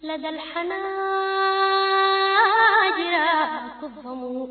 Tile yo